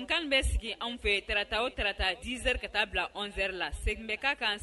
Kan bɛ sigi anw fɛ tarata o tarata dzeri ka taa bila anwɛri la segin bɛ kan kan